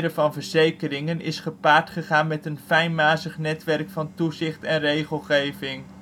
van verzekeringen is gepaard gegaan met een fijnmazig netwerk van toezicht en regelgeving